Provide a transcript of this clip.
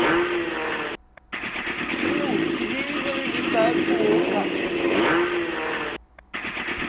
тимур телевизоры летает плохо